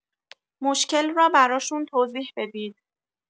مشکل را براشون توضیح بدید.